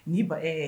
N'i ba ɛɛ